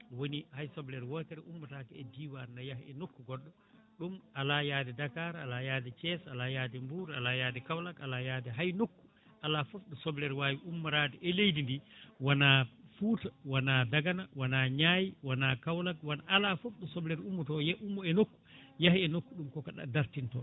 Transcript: woni hay soblere wotere ummotako e diwan ne yaaha e nokku goɗɗo ɗum ala yaade Dakar ala yaade Thiés ala yaade Mbour ala yaade Kaolack ala yaade hay nokku ala foof ɗo soblere wawi ummorade e leydi ndi wona Fouta wona Dagana wona Niay wona Kaolack ala foof ɗo soblere ummuto e ummo e nokku yaaha e nokku ɗum foof koko ɗa dartinto